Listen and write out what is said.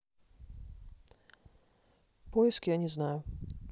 поиск я не знаю